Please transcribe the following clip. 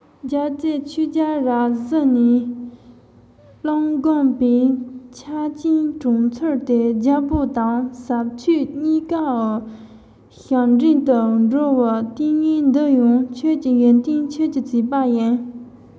རྒྱལ རྩེ ཆོས རྒྱལ ར བཟི ནས རླུང བསྒོམས པས འཁྱགས རྐྱེན གྲོངས ཚུལ དེ རྒྱལ པོ དང ཟབ ཆོས གཉིས ཀའི ཞབས འདྲེན དུ འགྲོ བའི གཏམ ངན འདི ཡང ཁྱོད ཀྱི ཡོན ཏན ཁྱོད ཀྱི བྱས པ ཡིན